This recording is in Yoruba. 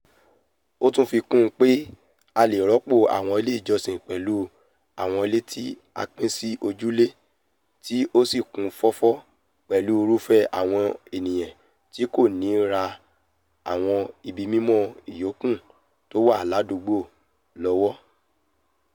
ó tun fikún pè a lè rọpò àwọn ilé ìjọsìn pẹlu àwọn ile tí a pín sí ojúlé̀ tí ósì kún fọ́fọ́ pẹ̀lú irufẹ àwọn eniyan tí kòní ran àwọn ibi mimọ ìyókù tówà láàdúgbò lọwọ.